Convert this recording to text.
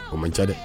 O man ca dɛ